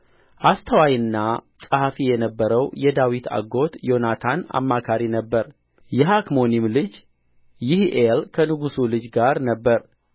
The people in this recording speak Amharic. አስተዋይና ጸሐፊ የነበረው የዳዊት አጎት ዮናታን አማካሪ ነበረ የሐክሞኒም ልጅ ይሒኤል ከንጉሡ ልጆች ጋር ነበረ